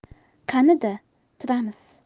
qanida turamiz